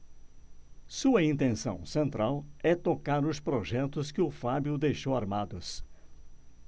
sua intenção central é tocar os projetos que o fábio deixou armados